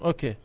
ok